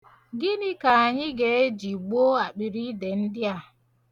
Gịnị ka anyị ga-eji gbuo akpịriide ndị a?